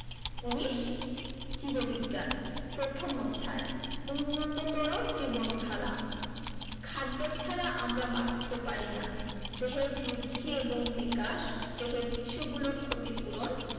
১৯ জীববিজ্ঞান প্রথম অধ্যায় উন্নততর জীবনধারা খাদ্য ছাড়া আমরা বাঁচতে পারি না দেহের বৃদ্ধি এবং বিকাশ দেহের টিস্যুগুলোর ক্ষতি পূরণ